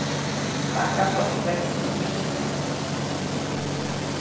bakkafrost veksur um virksemið